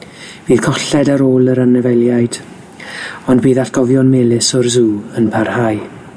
Bydd colled ar ôl yr anifeiliaid, ond bydd atgofion melys o'r sw yn parhau.